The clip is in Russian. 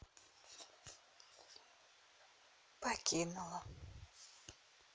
покинула